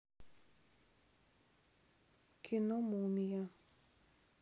кино мумия